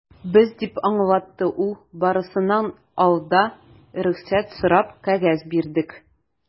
Без, - дип аңлатты ул, - барысыннан алда рөхсәт сорап кәгазь бирдек.